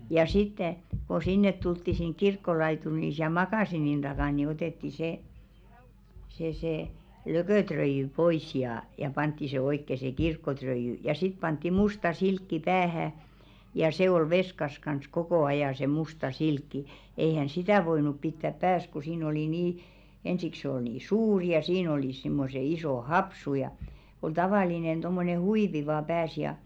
ja sitten kun sinne tultiin sinne kirkkolaituriin niin siellä makasiinin takana niin otettiin se se se lököröijy pois ja ja pantiin se oikein se kirkkoröijy ja sitten pantiin musta silkki päähän ja se oli veskassa kanssa koko ajan se musta silkki eihän sitä voinut pitää päässä kun siinä oli niin ensiksi se oli niin suuri ja siinä olivat semmoiset isot hopsut ja oli tavallinen tuommoinen huivi vain päässä ja